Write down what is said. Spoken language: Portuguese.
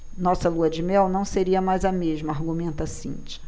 nossa lua-de-mel não seria mais a mesma argumenta cíntia